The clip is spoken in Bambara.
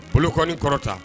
Bolokoki kɔrɔta